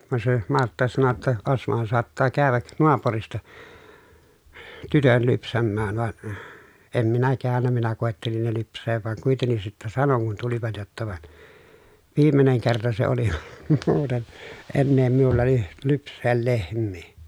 vaan se Martta sanoi jotta Osmohan saattaa käydä naapurista tytön lypsämään vaan en minä käynyt minä koettelin ne lypsää vaan kuitenkin sitten sanoin kun tulivat jotta vaan viimeinen kerta se oli muuten enää minulla - lypsää lehmiä